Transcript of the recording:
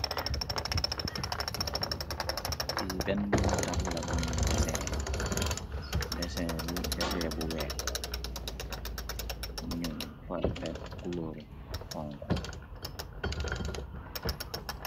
Fi benn nina tabulo buñu deseer la, deseen bu weex la , ñu fa def kulóoru bu xonku.